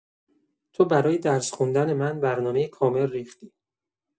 تو برای درس خوندن من برنامه کامل ریختی.